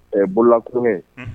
O ye bolola kulonkɛ ye.